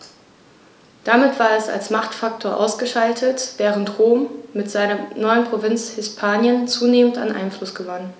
Damit war es als Machtfaktor ausgeschaltet, während Rom mit seiner neuen Provinz Hispanien zunehmend an Einfluss gewann.